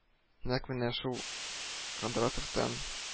Нәкъ менә шул Кондратовтан